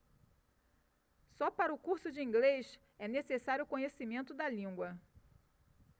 só para o curso de inglês é necessário conhecimento da língua